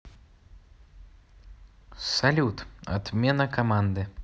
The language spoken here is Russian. салют отмена команды